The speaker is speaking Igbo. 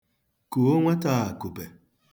Kuo nwata a akupe.